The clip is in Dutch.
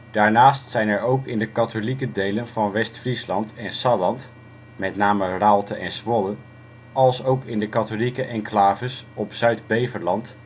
Daarnaast zijn er ook in de katholieke delen van West-Friesland en Salland (met name Raalte en Zwolle) alsook in de katholieke enclaves op Zuid-Beveland